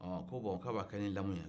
ɔɔ ko bon k'a b'a kɛ ni lamu ye